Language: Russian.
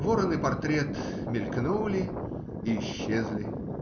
Ворон и портрет мелькнули и исчезли.